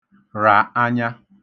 rà anya